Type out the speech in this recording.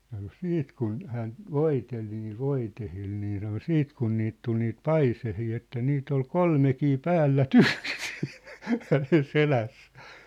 ja kun sitten kun hän voiteli niillä voiteilla niin sanoi sitten kun niitä tuli niitä paiseita että niitä oli kolmekin päällekkäin hänen selässään